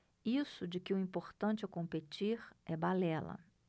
isso de que o importante é competir é balela